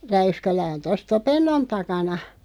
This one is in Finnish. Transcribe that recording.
Räyskälä on tuossa Topennon takana